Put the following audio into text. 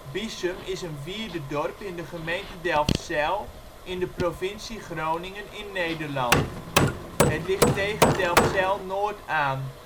Biessum is een wierdedorp in de gemeente Delfzijl in de provincie Groningen in Nederland. Het ligt tegen Delfzijl-Noord aan